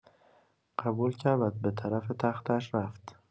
قبول کرد و به‌طرف تختش رفت.